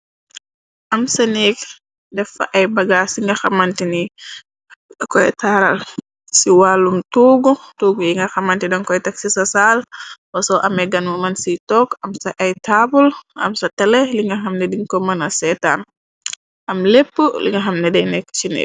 am sa neek defa ay bagaas ci nga xamantini koy taaral ci wàllum tuug yi nga xamanti dan koy tagsi sa saal waso amegan mu mën ciy toog am sa ay taabul am sa tele li nga xam nediñ ko mëna seetaan am lépp li nga xam nede nekk ci neek.